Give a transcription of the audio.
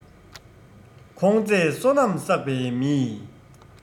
ཁོང མཛངས བསོད ནམས བསགས པའི མི